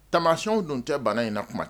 Tamasiw dun tɛ bana in na kuma